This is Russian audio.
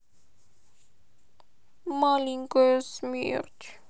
маленькая смерть